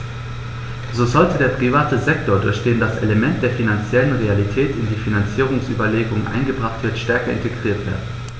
So sollte der private Sektor, durch den das Element der finanziellen Realität in die Finanzierungsüberlegungen eingebracht wird, stärker integriert werden.